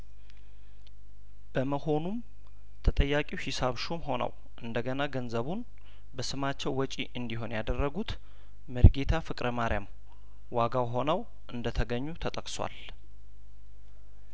በመሆኑም ተጠያቂው ሂሳብ ሹም ሆነው እንደገና ገንዘቡን በስማቸው ወጪ እንዲሆን ያደረጉት መሪጌታ ፍቅረ ማርያም ዋጋው ሆነው እንደተገኙ ተጠቅሷል